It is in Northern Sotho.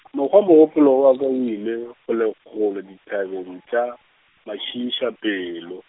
mokgwa mogopolo wa ka o ile, kgolekgole dithabeng tša, mašiišapelo.